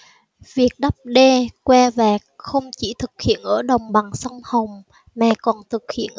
việc đắp đê quai vạc không chỉ thực hiện ở đồng bằng sông hồng mà còn thực hiện